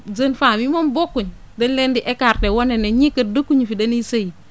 jeunes femmes yi moom bokkuñ dañ leen di écarter wane ne ñii kat dëkkuñu fi dañuy sëyi